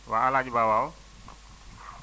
waaw El Hadj Ba waaw